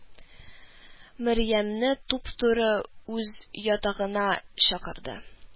Мәрьямне туп-туры үз ятагына чакырды